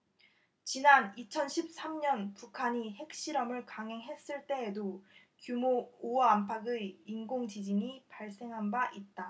지난 이천 십 삼 년 북한이 핵실험을 감행했을 때에도 규모 오 안팎의 인공지진이 발생한 바 있다